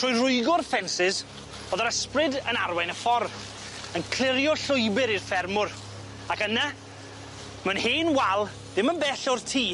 Trwy rwygo'r ffensys o'dd yr ysbryd yn arwain y ffor yn clirio llwybyr i'r ffermwr ac yna mewn hen wal ddim yn bell o'r tŷ